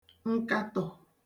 nkatọ̀